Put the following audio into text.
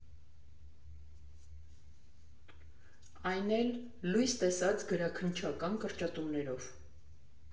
Այն էլ՝ լույս տեսած գրաքննչական կրճատումներով։